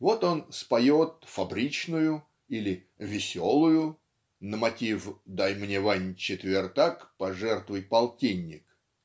вот он споет "фабричную" или "веселую" на мотив "Дай мне Ваня четвертак пожертвуй полтинник"